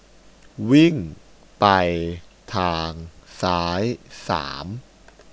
วิ่งไปทางซ้ายสาม